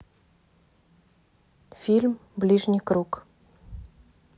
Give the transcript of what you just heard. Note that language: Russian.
фильм ближний круг